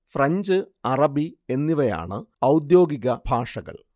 French അറബി എന്നിവയാണ് ഔദ്യോഗിക ഭാഷകൾ